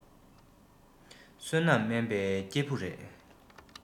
བསོད ནམས དམན པའི སྐྱེ བུ དེར